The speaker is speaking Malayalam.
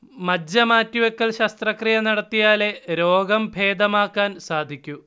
മജ്ജ മാറ്റിവെക്കൽ ശസ്ത്രക്രിയ നടത്തിയാലേ രോഗം ഭേദമാക്കാൻ സാധിക്കൂ